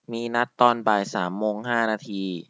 มีนัดตอนบ่ายสามโมงห้านาที